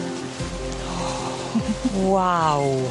Waw!